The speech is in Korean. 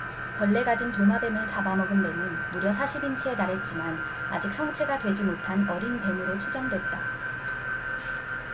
벌레가 든 도마뱀을 잡아 먹은 뱀은 무려 사십 인치에 달했지만 아직 성체가 되지 못한 어린 뱀으로 추정됐다